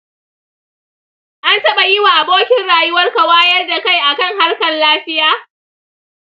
an taba yi wa abokin rayuwarka wayar da kai akan harkar lafiya?